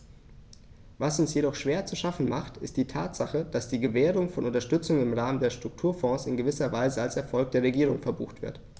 Was uns jedoch schwer zu schaffen macht, ist die Tatsache, dass die Gewährung von Unterstützung im Rahmen der Strukturfonds in gewisser Weise als Erfolg der Regierung verbucht wird.